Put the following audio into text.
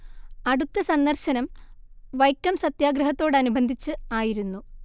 അടുത്ത സന്ദർശനം വൈക്കം സത്യാഗ്രഹത്തോടനുബന്ധിച്ച് ആയിരുന്നു